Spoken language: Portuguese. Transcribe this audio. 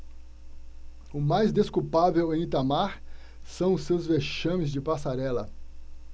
o mais desculpável em itamar são os seus vexames de passarela